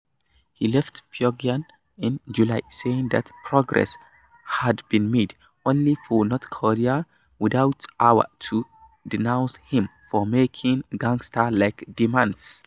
He left Pyongyang in July saying that progress had been made, only for North Korea within hours to denounce him for making "gangster-like demands."